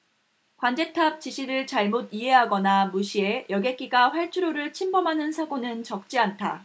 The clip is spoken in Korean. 관제탑 지시를 잘못 이해하거나 무시해 여객기가 활주로를 침범하는 사고는 적지 않다